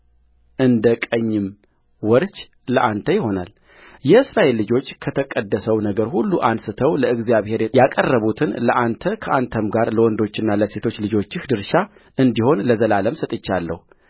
እንደ ቀኙም ወርች ለአንተ ይሆናልየእስራኤል ልጆች ከተቀደሰው ነገር ሁሉ አንሥተው ለእግዚአብሔር ያቀረቡትን ለአንተ ከአንተም ጋር ለወንዶችና ለሴቶች ልጆችህ ድርሻ እንዲሆን ለዘላለም ሰጥቼሃለሁ